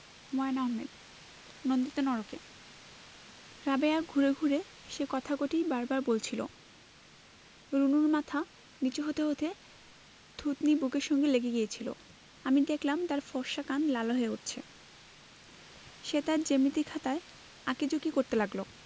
হুমায়ুন আহমেদ নন্দিত নরকে রাবেয়া ঘুরে ঘুরে সেই কথা কটিই বার বার বলছিলো রুনুর মাথা নীচু হতে হতে থুতনি বুকের সঙ্গে লেগে গিয়েছিলো আমি দেখলাম তার ফর্সা কান লাল হয়ে উঠছে সে তার জ্যামিতি খাতায় আঁকি ঝুকি করতে লাগলো